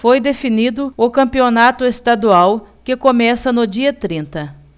foi definido o campeonato estadual que começa no dia trinta